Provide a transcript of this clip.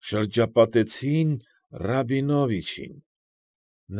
Շրջապատեցին Ռաբինովիչին։